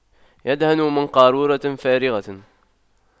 يدهن من قارورة فارغة